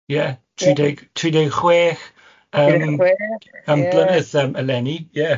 ie, tri deg tri deg chwech... Tri deg chwech ie. ...yym am glynydd yym eleni ie.